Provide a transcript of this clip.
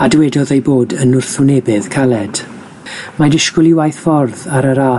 a dywedodd eu bod yn wrthwynebydd caled. Mae disgwyl i waith ffordd ar yr A